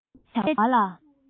མཁས པའི བྱ བ ལ